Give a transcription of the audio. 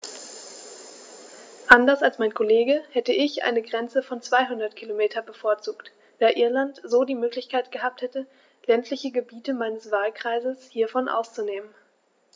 Anders als mein Kollege hätte ich eine Grenze von 200 km bevorzugt, da Irland so die Möglichkeit gehabt hätte, ländliche Gebiete meines Wahlkreises hiervon auszunehmen.